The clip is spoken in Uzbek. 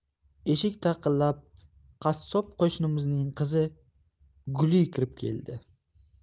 eshik taqillab qassob qo'shnimizning qizi guli kirib keldi